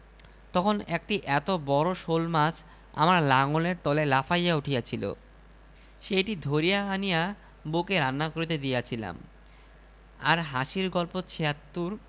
একজন বলিল পানিতে চুবাইলে পাগলের পাগলামী সারে চল ভাই একে পুকুরে লইয়া গিয়া কিছুটা চুবাইয়া আনি যেই কথা সেই কাজ সকলে ধরিয়া রহিমকে খনিকটা পুকুরে চুবাইয়া আনিল